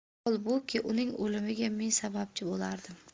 holbuki uning o'limiga men sababchi bo'lardim